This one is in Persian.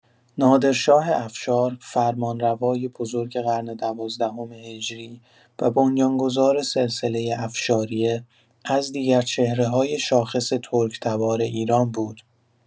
نادرشاه افشار، فرمانروای بزرگ قرن دوازدهم هجری و بنیان‌گذار سلسله افشاریه، از دیگر چهره‌های شاخص ترک‌تبار ایران بود.